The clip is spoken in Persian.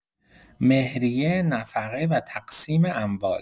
مهریه، نفقه و تقسیم اموال